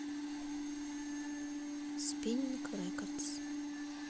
спининг рекордс